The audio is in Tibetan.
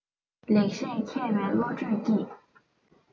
ལེགས བཤད མཁས པའི བློ གྲོས ཀྱིས